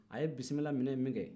a ye bisimila minɛ ye minkɛ